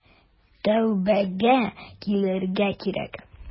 Тәүбәгә килергә кирәк.